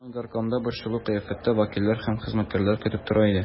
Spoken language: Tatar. Аны горкомда борчулы кыяфәттә вәкилләр һәм хезмәткәрләр көтеп тора иде.